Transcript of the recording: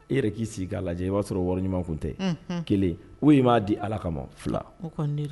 E yɛrɛ k'i sigi ka lajɛ, i b'a sɔrɔ wari ɲuman kun tɛ, unhun, kelen, ou bien i m'a di ala kama 2, o kɔnin de do